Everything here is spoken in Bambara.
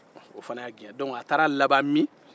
o fana y'a gɛn dɔnke a taara laban min